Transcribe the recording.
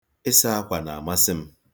Ịsa akwa na-amasị m.